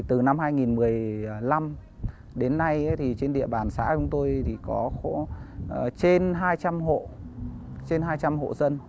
thì từ năm hai nghìn mười lăm đến nay ý thì trên địa bàn xã tôi thì có khó ở trên hai trăm hộ trên hai trăm hộ dân